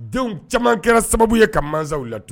Denw caman kɛra sababu ye ka mansaw la